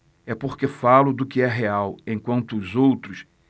é porque falo do que é real enquanto os outros